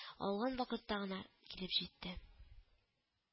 Алган вакытта гына килеп җитте